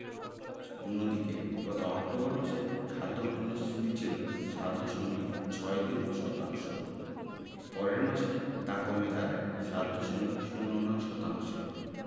অন্যদিকে গত অক্টোবর মাসে খাদ্য মূল্যস্ফীতি ছিল ৭ দশমিক ৬২ শতাংশ পরের মাসে তা কমে দাঁড়ায় ৭ দশমিক ০৯ শতাংশে